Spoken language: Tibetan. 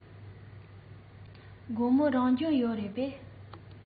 དགོང མོ རང སྦྱོང ཡོད རེད པས